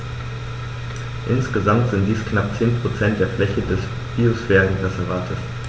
Insgesamt sind dies knapp 10 % der Fläche des Biosphärenreservates.